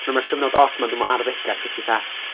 Pan ma' cyfnod od ma'n dy arddegau, lle ti fatha